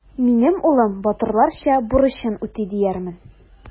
Минем улым батырларча бурычын үти диярмен.